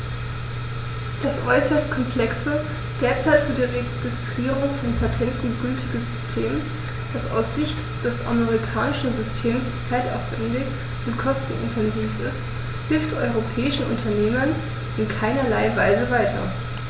Das äußerst komplexe, derzeit für die Registrierung von Patenten gültige System, das aus Sicht des amerikanischen Systems zeitaufwändig und kostenintensiv ist, hilft europäischen Unternehmern in keinerlei Weise weiter.